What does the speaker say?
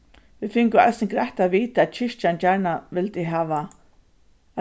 vit fingu eisini greitt at vita at kirkjan gjarna vildi hava